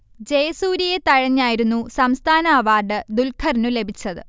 ജയസൂര്യയെ തഴഞ്ഞായിരുന്നു സംസ്ഥാന അവാർഡ് ദുല്ഖറിനു ലഭിച്ചത്